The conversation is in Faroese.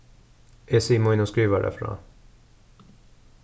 eg sigi mínum skrivara frá